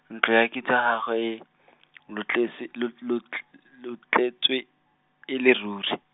ntlo ya kitso ya gagwe e , lotlese- lo- lotl-, lotletswe, e le ruri.